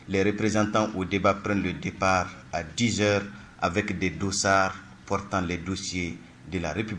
Repreztan o de bbapredo dep aze a vtedosa ptan dsi de larep